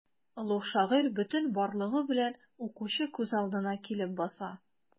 Олуг шагыйрь бөтен барлыгы белән укучы күз алдына килеп баса.